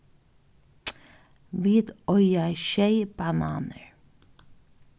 vit eiga sjey bananir